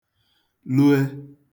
lue